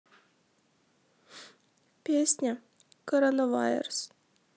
песня коронавайрс